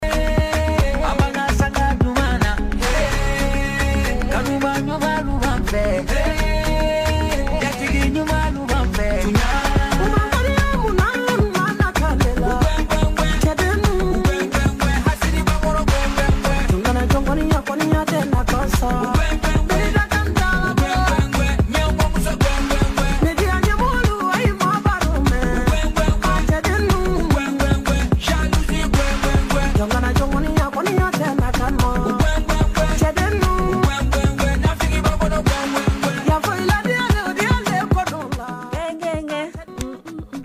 Wasedugudugudugufɛ kungokɔrɔ yasagogogo jagogo jago jagosego ka